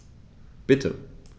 Bitte.